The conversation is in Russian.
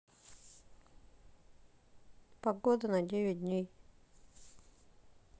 погода на девять дней